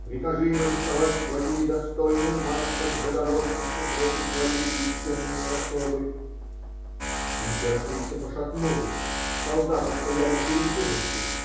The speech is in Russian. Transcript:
Прикажи им арестовать твою недостойную мать как заговорщицу против твоей священной особы. Императрица пошатнулась. Солдаты стояли в нерешимости.